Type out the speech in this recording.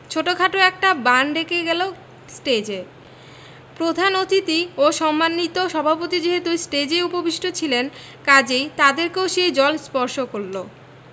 ছোটখাট একটা বান ডেকে গেল টেজে প্রধান অতিথি এবং সম্মানিত সভাপতি যেহেতু ষ্টেজেই উপবিষ্ট ছিলেন কাজেই তাদেরকেও সেই জল স্পর্শ করল